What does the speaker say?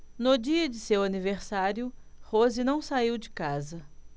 no dia de seu aniversário rose não saiu de casa